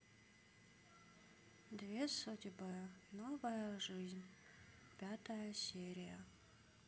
две судьбы новая жизнь пятая серия